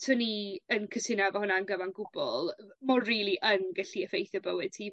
swn i yn cytuno efo hwnna yn gyfan gwbwl m- m'o rili yn gallu effeithio bywyd ti